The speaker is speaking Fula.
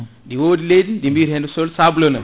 ɗi wodi leydi ɗi biyaten sol sableux